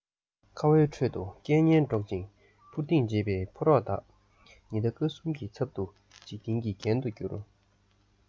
ཁ བའི ཁྲོད དུ སྐད ངན སྒྲོག ཅིང འཕུར ལྡིང བྱེད བའི ཕོ རོག དག ཉི ཟླ སྐར གསུམ གྱི ཚབ ཏུ འཇིག རྟེན གྱི རྒྱན དུ གྱུར